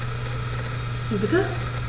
Wie bitte?